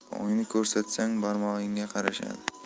oyni ko'rsatsang barmog'ingga qarashadi